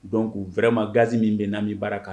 Donc wɛrɛma gan min bɛn n'a bɛ baara kan